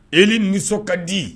Eli nisɔn ka di